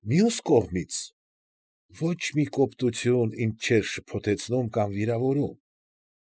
Մյուս կողմից, ո՛չ մի կոպտություն ինձ չէր շփոթեցնում կամ վիրավորում։